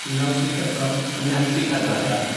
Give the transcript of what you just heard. Mil naw tri pedwar. Mil naw tri pedwar? Ia.